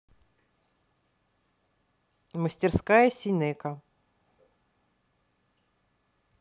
мастерская синека